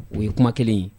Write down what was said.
O ye kuma kelen ye